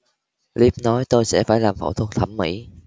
liv nói tôi sẽ phải làm phẫu thuật thẩm mỹ